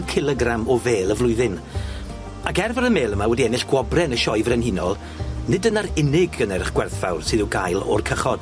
cilogram o fêl y flwyddyn ac er fod y mêl yma wedi ennill gwobre yn y sioe frenhinol, nid dyna'r unig gynnerch gwerthfawr sydd i'w gael o'r cychod.